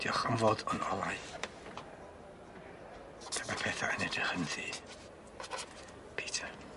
Dioch am fod yn olau. Pan ma' petha yn edrych yn ddu. Peter.